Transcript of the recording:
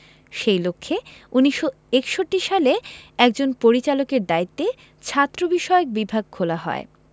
সেই লক্ষ্যে ১৯৬১ সালে একজন পরিচালকের দায়িত্বে ছাত্রবিষয়ক বিভাগ খোলা হয়